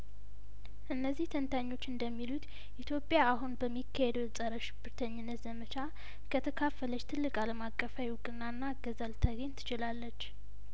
እነዚህ ተንታኞች እንደሚሉት ኢትዮጵያአሁን በሚካሄደው የጸረ ሽብርተኝነት ዘመቻ ከተካፈለች ትልቅ አለም አቀፋዊ እውቅናና እገዛል ታገኝ ትችላለች